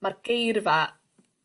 ma'r geirfa